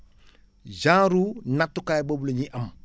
genre nattukaay boobu la ñuy am